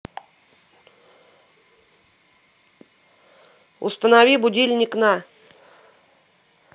установи будильник на